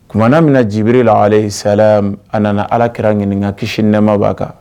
Kumana min na jibri a nana Alakira ɲininka kisi ni nɛma